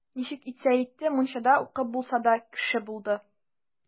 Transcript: Ничек итсә итте, мунчада укып булса да, кеше булды.